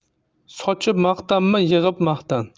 sochib maqtanma yig'ib maqtan